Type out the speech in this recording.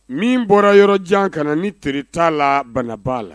Min bɔra yɔrɔ jan ka na ni teritaa la banabaa la